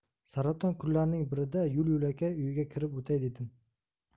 saraton kunlarining birida yo'l yo'lakay uyga kirib o'tay dedim